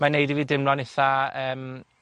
mae'n neud i fi dimlo'n itha, yym